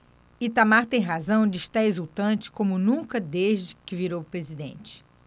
itamar tem razão de estar exultante como nunca desde que virou presidente